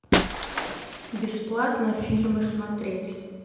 бесплатно фильмы смотреть